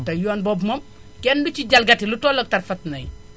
te yoon boobu moom kenn du ci jalgati lu tooloog tarfat nay